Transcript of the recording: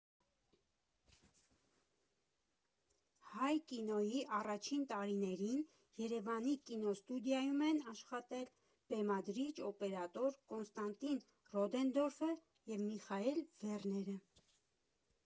Հայ կինոյի առաջին տարիներին Երևանի կինոստուդիայում են աշխատել բեմադրիչ֊օպերատոր Կոնստանտին Ռոդենդորֆը և Միխայիլ Վեռները։